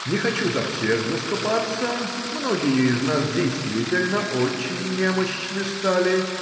Не хочу за всех заступаться, многие из нас действительно очень немощны стали